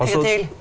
en gang til.